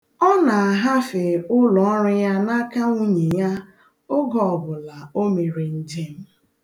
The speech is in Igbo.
Ọ na ahafe ụlọọrụ ya n'aka nwunye ya oge ọbụla o mere njem.